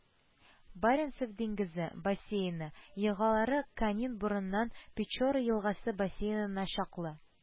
Баренцев диңгезе бассейны елгалары Канин борынынан Печора елгасы бассейнына чаклы